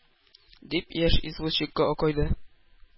- дип, яшь извозчикка акайды.